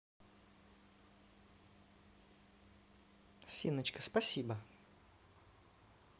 афиночка спасибо